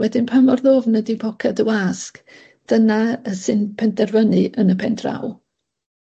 Wedyn pa mor ddwfn ydi poced y wasg dyna yy sy'n penderfynu yn y pen draw.